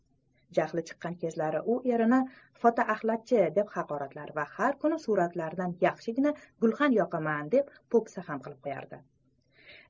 jahli chiqqan kezlari u erini fotoaxlatchi deb haqoratlar va bir kuni suratlardan yaxshigina gulxan yoqaman deb po'pisa ham qilib qo'yar edi